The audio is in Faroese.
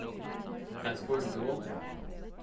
hvat spurdi tú um